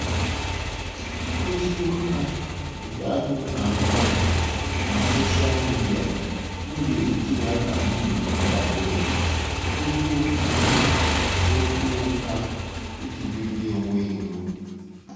Ozi ụgha nke agbụrụ na-akpali na soshaa midịa n'oge ntụliaka dị n'ụdị abụọ: ozi ụgha na okwu ugha iji megide onye iro.